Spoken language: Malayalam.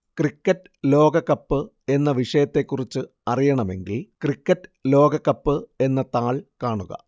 ക്രിക്കറ്റ് ലോകകപ്പ് എന്ന വിഷയത്തെക്കുറിച്ച് അറിയണമെങ്കില്‍ ക്രിക്കറ്റ് ലോകകപ്പ് എന്ന താള്‍ കാണുക